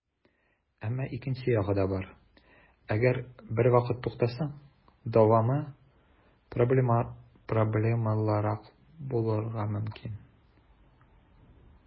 Әмма икенче ягы да бар - әгәр бервакыт туктасаң, дәвамы проблемалырак булырга мөмкин.